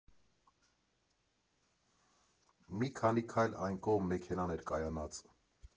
Մի քանի քայլ այն կողմ մեքենան էր կայանած։